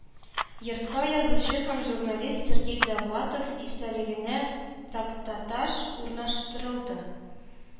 Йортка язучы һәм журналист сергей довлатов истәлегенә тактаташ урнаштырылды